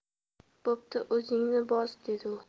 bo'pti o'zingni bos dedi u